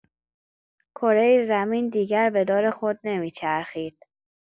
کره زمین دیگر به دور خود نمی‌چرخید.